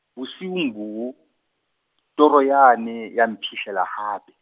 bosiung boo, toro yane, ya mphihlela hape.